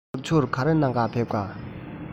ནག ཆུར ག རེ གནང བར ཕེབས ཀ